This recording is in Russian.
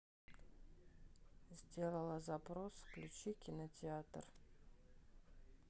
сделала запрос включи кинотеатр